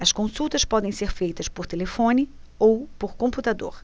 as consultas podem ser feitas por telefone ou por computador